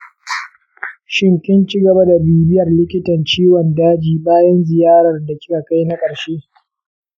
shin kin cigaba da bibiyar likitan ciwon daji bayan ziyarar da kikayi na karshe?